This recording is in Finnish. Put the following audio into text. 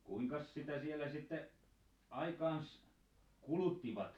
kuinkas sitä siellä sitten aikaansa kuluttivat